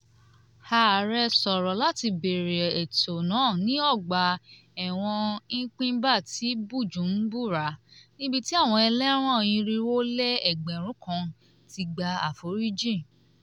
Ààrẹ sọ̀rọ̀ láti bẹ̀rẹ̀ ètò náà ní ọgbà ẹ̀wọ̀n Mpinba ti Bujumbura, níbi tí àwọn ẹlẹ́wọ̀n 1,400 ti gba àforíjìn.